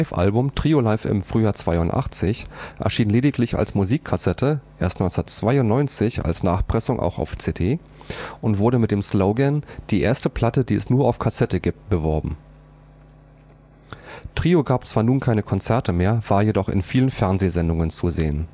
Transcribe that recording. Live-Album „ Trio live im Frühjahr 82 “erschien lediglich als Musikkassette (erst 1992 als Nachpressung auch auf CD) und wurde mit dem Slogan „ Die erste Platte, die es nur auf Kassette gibt “beworben. Trio gab zwar nun keine Konzerte mehr, war jedoch in vielen Fernsehsendungen zu sehen